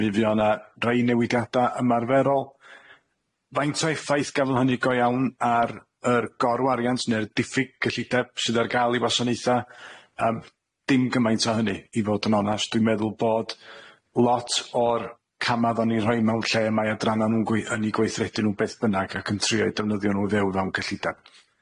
Mi fuo 'na rai newidiada' ymarferol, faint o effaith gafon hynny go iawn ar yr gorwariant ne'r diffyg cyllideb sydd ar ga'l i wasanaetha, yym dim gymaint o hynny i fod yn onast dwi'n meddwl bod lot o'r cama oddan ni'n rhoi mewn lle mae adranna nw'n gwe- yn 'u gweithredu nw beth bynnag ac yn trio'u defnyddio nw ddewddawn cyllidab.